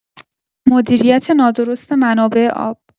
مدیریت نادرست منابع آب